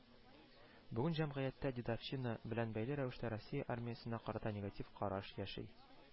Бүген җәмгыятьтә «дедовщина» белән бәйле рәвештә Россия армиясенә карата негатив караш яши